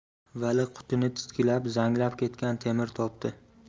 vali qutini titkilab zanglab ketgan temir topdi